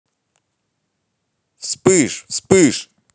вспыш вспыш